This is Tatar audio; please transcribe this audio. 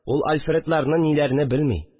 Ул Альфредларны ниләрне белми